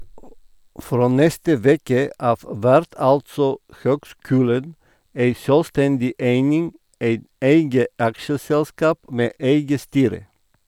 Frå neste veke av vert altså høgskulen ei sjølvstendig eining, eit eige aksjeselskap med eige styre.